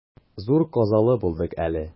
Зур казалы булдык әле.